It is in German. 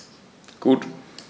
Gut.